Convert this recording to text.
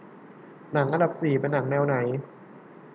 หนังอันดับสี่เป็นหนังแนวไหน